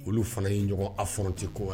Olu fana in ɲɔgɔn a f tɛ ko